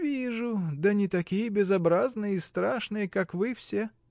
— Вижу, да не такие безобразные и страшные, как вы все.